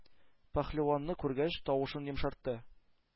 Пәһлеванны күргәч, тавышын йомшартты: